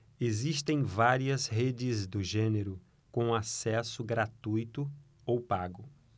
existem várias redes do gênero com acesso gratuito ou pago